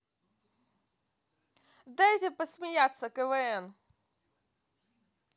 дайте посмеяться квн